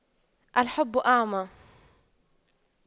الحب أعمى